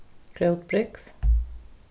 grótbrúgv